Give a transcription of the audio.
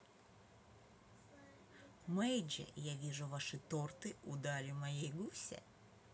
major я вижу ваши торты удали моей гуся